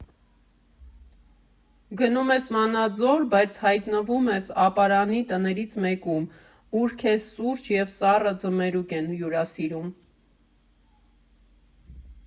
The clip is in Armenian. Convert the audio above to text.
Գնում ես Վանաձոր, բայց հայտնվում ես Ապարանի տներից մեկում, ուր քեզ սուրճ և սառը ձմերուկ են հյուրասիրում։